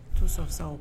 Tsɔsa